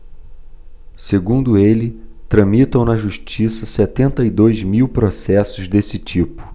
segundo ele tramitam na justiça setenta e dois mil processos desse tipo